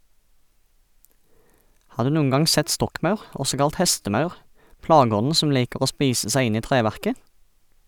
Har du noen gang sett stokkmaur, også kalt hestemaur, plageånden som liker å spise seg inn i treverket?